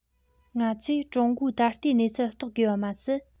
ང ཚོས ཀྲུང གོའི ད ལྟའི གནས ཚུལ རྟོགས དགོས པ མ ཟད